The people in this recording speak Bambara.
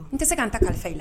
N tɛ se ka n ta kalifa i la